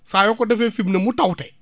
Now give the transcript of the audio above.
saa yoo ko defee fii mu ne mu tawte